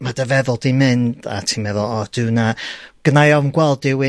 ma' dy feddwl 'di'n mynd a ti'n meddwl o Duw na, gennai ofn gweld rywun